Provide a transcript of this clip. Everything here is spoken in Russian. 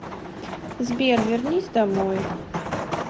сбер вернись домой